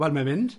Wel, mae'n mynd.